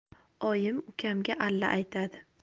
oyim ukamga alla aytadi